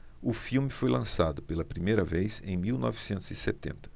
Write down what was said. o filme foi lançado pela primeira vez em mil novecentos e setenta